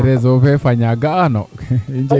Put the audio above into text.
reseau fee fañaa ga'ano i njeglu